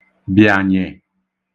bị̀ànyè